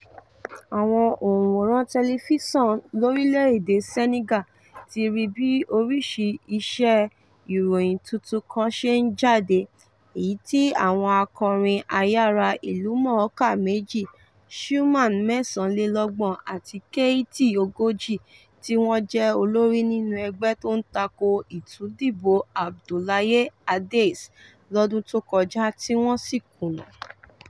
Àwọn òǹwòran tẹlifíṣọ̀n lórílẹ̀-èdè Senegal ti rí bí oríṣi iṣẹ́ ìròyìn tuntun kan ṣe ń jáde, èyí tí àwọn akọrin ayára ìlúmọ̀ọ́ká méjì, Xuman (39) àti Keyti (40), tí wọ́n jẹ́ olórí nínú ẹgbẹ́ tó ń tako ìtúndìbò Abdoulaye ade's lọ́dún tó kọjá, tí wọ́n sì kùnà.